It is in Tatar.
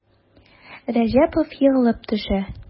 Рәҗәпов егылып төшә.